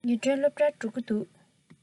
ཉི སྒྲོན སློབ གྲྭར འགྲོ གི འདུག